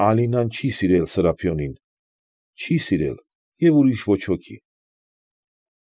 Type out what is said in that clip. Ալինան չի սիրել Սրափիոնին։ Չի սիրել և ուրիշ ոչ ոքի։